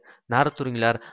nari turinglar